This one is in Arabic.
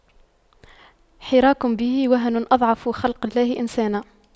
حراك به وهن أضعف خلق الله إنسانا